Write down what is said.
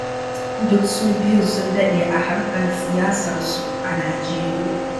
Duk su biyun sun daɗe a harkar siyasarsu a Najeriya.